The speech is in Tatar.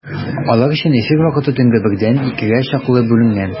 Алар өчен эфир вакыты төнге бердән икегә чаклы бүленгән.